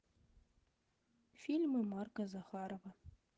фильмы марка захарова